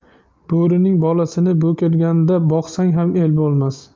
bo'rining bolasini bo'rkingda boqsang ham el bo'lmas